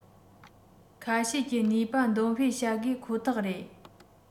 ཁ ཤས ཀྱི ནུས པ འདོན སྤེལ བྱ དགོས ཁོ ཐག རེད